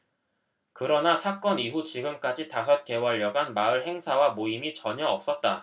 그러나 사건 이후 지금까지 다섯 개월여간 마을 행사와 모임이 전혀 없었다